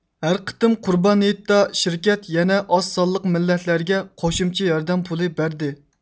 ھەر قېتىم قۇربان ھېيتتا شىركەت يەنە ئاز سانلىق مىللەتلەرگە قوشۇمچە ياردەم پۇلى بەردى